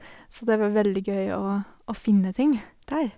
Så det var veldig gøy å å finne ting der.